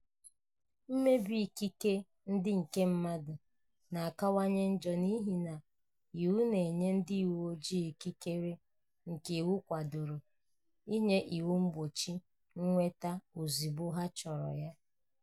Mmebi ikike ndị nke mmadụ na-akawanye njọ n'ihi na iwu na-enye ndị uwe ojii ikikere nke iwu kwadoro inye iwu igbochi nnweta ozugbo ha chọrọ ya.